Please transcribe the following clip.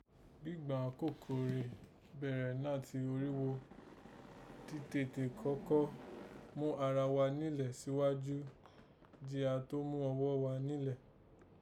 Gbígbàn àkókò rè bẹ̀rẹ̀ nàti orígho títètè kọ́kọ́ mú ara gha nílẹ̀ síghájú jí a to mú ọghọ́ gha nílẹ̀